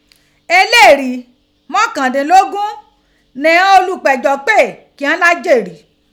Ẹlẹri mọkandinlogun ni ighan olupẹjọ pe ki ghan jerii.